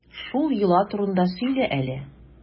Шул йола турында сөйлә әле.